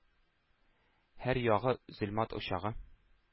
Һәр ягы зөлмат учагы,